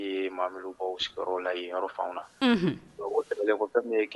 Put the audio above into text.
N ye mamudu sigiyɔrɔ la yɔrɔ tɛ ko ye